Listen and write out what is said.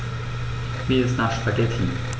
Mir ist nach Spaghetti.